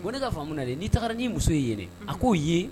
Bon ne ka famu ye ni'i taara n' muso ye a k'o ye